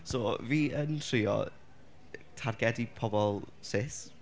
So fi yn trio targedu pobl cis.